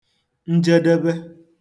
njedebe